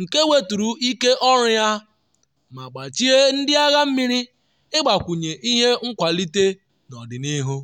nke weturu ike ọrụ ya ma gbachie ndị Agha Mmiri ịgbakwunye ihe nkwalite n’ọdịnihu.